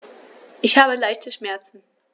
Ich habe leichte Schmerzen.